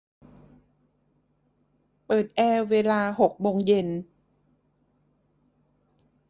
เปิดแอร์เวลาหกโมงเย็น